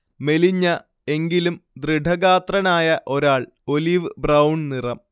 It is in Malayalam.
മെലിഞ്ഞ, എങ്കിലും ദൃഢഗാത്രനായ ഒരാൾ, ഒലിവ്-ബ്രൗൺ നിറം